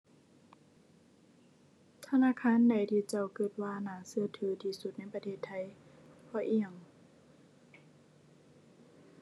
ธนาคารใดที่เจ้าคิดว่าน่าคิดถือที่สุดในประเทศไทย เพราะอิหยัง